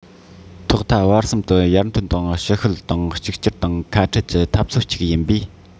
ཐོག མཐའ བར གསུམ དུ ཡར ཐོན དང ཕྱིར བཤོལ དང གཅིག གྱུར དང ཁ ཕྲལ གྱི འཐབ རྩོད ཅིག ཡིན པའི